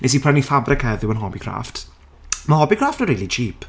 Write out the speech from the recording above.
Wnes i'n prynu ffabrig heddiw yn Hobbycraft. Ma' Hobbycraft yn really cheap.